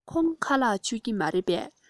ཁོང ཁ ལག མཆོད ཀྱི མ རེད པས